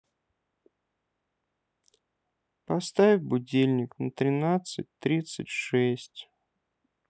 поставь будильник на тринадцать тридцать шесть